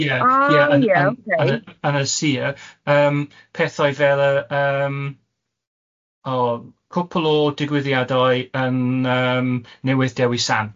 Ie... A ie ok. ...ie yn yn yn yn y sîr yym pethau fel y yym o cwpwl o digwyddiadau yn yym Newydd Dewi Sant